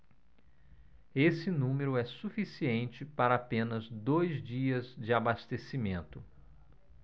esse número é suficiente para apenas dois dias de abastecimento